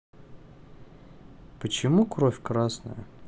почему кровь красная